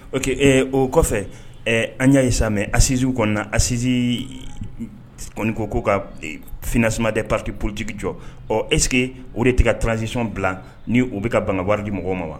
Ɔ que o kɔfɛ an y yaasa mɛ a sinz kɔnɔna a sinz kɔni ko ko ka f suma tɛ pati porotigi jɔ ɔ eseke o de tɛ ka tranzsision bila ni u bɛ ka banbaa di mɔgɔw ma wa